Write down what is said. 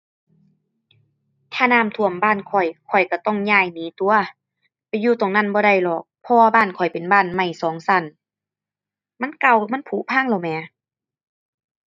ถ้าน้ำท่วมบ้านข้อย ข้อยก็ต้องย้ายหนีตั่ว ไปอยู่ตรงนั้นบ่ได้หรอก เพราะว่าบ้านข้อยเป็นบ้านไม้สองก็ มันเก่า มันผุพังแล้วแหม